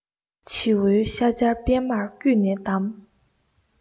བྱེའུའི ཤ སྦྱར པདྨར བསྐུས ན དམ